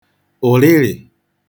ụ̀lịlị̀